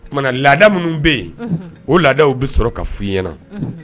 O tumana laada minnu bɛ yen o laadaw bɛ sɔrɔ ka fɔ ɲɛnaɲɛna